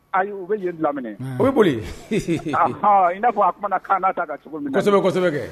Ayi u bɛ yen lam o bɛ boliɔn n'a fɔ aumana kaana ta cogosɛbɛ